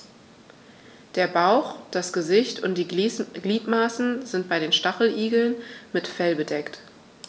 Der Bauch, das Gesicht und die Gliedmaßen sind bei den Stacheligeln mit Fell bedeckt.